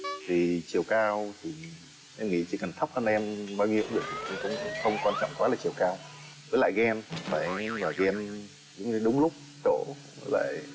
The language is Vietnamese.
thì chiều cao em nghĩ chỉ cần thấp hơn em bao nhiêu cũng được cũng không quan trọng quá về chiều cao lại ghen phải ghen đúng lúc đúng chỗ phải